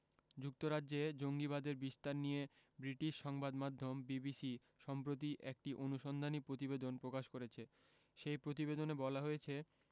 যুক্তরাজ্যে জঙ্গিবাদের বিস্তার নিয়ে ব্রিটিশ সংবাদমাধ্যম বিবিসি সম্প্রতি একটি অনুসন্ধানী প্রতিবেদন প্রকাশ করেছে সেই প্রতিবেদনে বলা হয়েছে